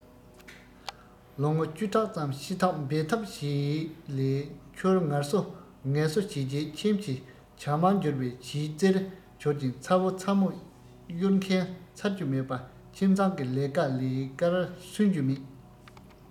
ལོ ངོ བཅུ ཕྲག ཙམ ཤི འཐབ འབད འཐབ བྱས ལས འཁྱུར ངལ གསོ ངལ གསོ བྱས རྗེས ཁྱིམ གྱི ཇ མར འགྱུར བ བྱིས རྫིར འགྱུར ཞིང ཚ བོ ཚ མོ གཡོར མཁན ཚར རྒྱུ མེད པ ཁྱིམ ཚང གི ལས ཀ ལས ཀར སུན རྒྱུ མེད